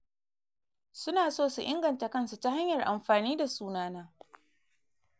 “Su na so su inganta kansu ta hanyar amfani da suna na.